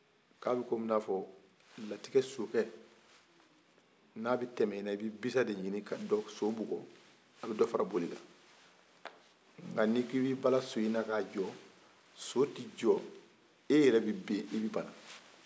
ka bi n'a fɔ latigɛ so kɛ n'a bi tɛmɛ na i bi busan de ɲini ka so bugɔ a bi dɔ fara bolikan